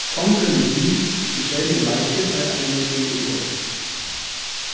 kongurin er við í serligum leiki tá ið ein loypur í borg